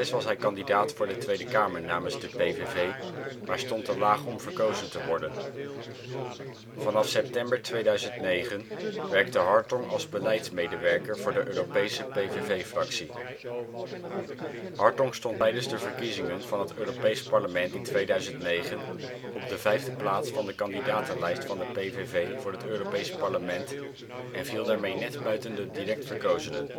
was hij kandidaat voor de Tweede Kamer namens de PVV maar stond te laag om verkozen te worden. Vanaf september 2009 werkte Hartong als beleidsmedewerker voor de Europese PVV-fractie. Hartong stond tijdens de verkiezingen van het Europees Parlement in 2009 op de vijfde plaats van de kandidatenlijst van de PVV voor het Europees Parlement en viel daarmee net buiten de direct verkozenen